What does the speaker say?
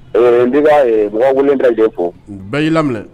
Ɛɛ n b'a baga dajɛ fɔ bɛɛ y'i laminɛ